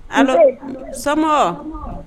A sama